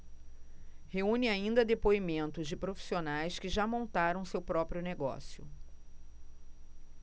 reúne ainda depoimentos de profissionais que já montaram seu próprio negócio